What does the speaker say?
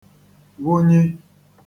wunyi